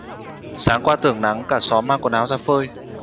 sáng qua tưởng nắng cả xóm mang quần áo ra phơi